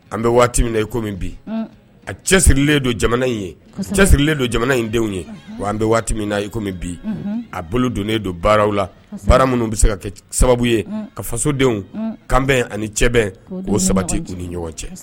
An bɛ waati min na iko bi a cɛsiririlen don jamana in ye cɛsirilen don in denw ye wa an bɛ min na iko bi a bolo donnen don baaraw la baara minnu bɛ se ka kɛ sababu ye ka fasodenw kanbɛn ani cɛ bɛn k'o sabati dun ni ɲɔgɔn cɛ